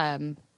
yym